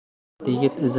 mard yigit izini